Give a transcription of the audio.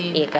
i kaga tax